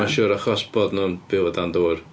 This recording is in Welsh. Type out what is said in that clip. Mae'n siwr achos bod nhw'n byw o dan dŵr.